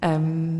yym